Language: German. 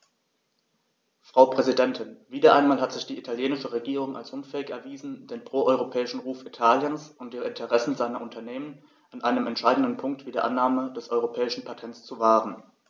Frau Präsidentin, wieder einmal hat sich die italienische Regierung als unfähig erwiesen, den pro-europäischen Ruf Italiens und die Interessen seiner Unternehmen an einem entscheidenden Punkt wie der Annahme des europäischen Patents zu wahren.